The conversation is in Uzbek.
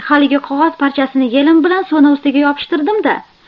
haligi qog'oz parchasini yelim bilan so'na ustiga yopishtirdimda